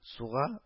Суга